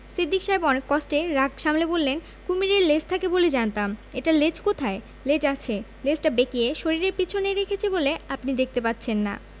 সিদ্দিক সাহেব অনেক কষ্টে রাগ সামলে বললেন কুমীরের লেজ থাকে বলে জানতাম এটার লেজ কোথায় লেজ আছে লেজটা বেঁকিয়ে শরীরের পেছনে রেখেছে বলে আপনি দেখতে পাচ্ছেন না